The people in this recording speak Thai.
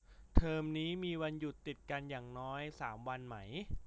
เทอมนี้มีวันหยุดติดกันอย่างน้อยสามวันไหม